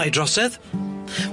A'i drosedd?